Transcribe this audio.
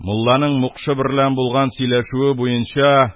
Мулланың мукшы берлән булган сөйләшүе буенча,